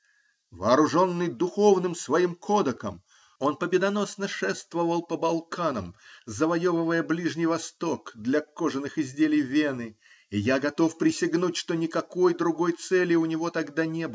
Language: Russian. Вооруженный духовным своим кодаком, он победоносно шествовал по Балканам, завоевывая Ближний Восток для кожаных изделий Вены, и я готов присягнуть, что никакой другой цели у него тогда не было.